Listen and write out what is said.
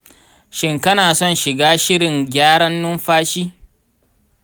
shin kana son shiga shirin gyaran numfashi?